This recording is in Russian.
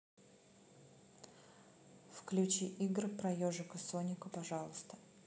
включи игры про ежика соника пожалуйста